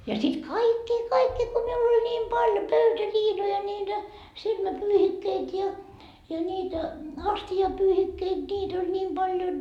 ja sitten kaikkia kaikkia kun minulla oli niin paljon pöytäliinoja niitä silmäpyyhikkeitä ja ja niitä astiapyyhikkeitä niitä oli niin paljon